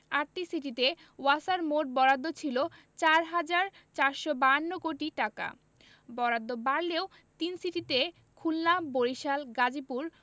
আটটি সিটিতে ওয়াসার মোট বরাদ্দ ছিল ৪ হাজার ৪৫২ কোটি টাকা বরাদ্দ বাড়লেও তিন সিটিতে খুলনা বরিশাল গাজীপুর